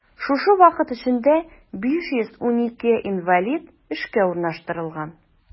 Шушы вакыт эчендә 512 инвалид эшкә урнаштырылган.